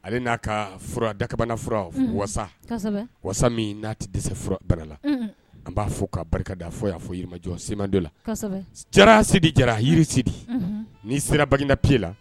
Ale n'a ka fura dakabanaf fura walasa walasa min n'a tɛ dɛsɛse bɛ la an b'a fɔ ka barika' fɔ y'a fɔjɔ semando la cɛse jara jiri sidi n'i sera bagina pee la